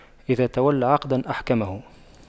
إذا تولى عقداً أحكمه